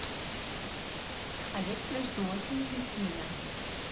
я я тебя жду очень очень сильно